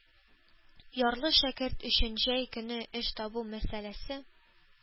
Ярлы шәкерт өчен җәй көне эш табу мәсьәләсе,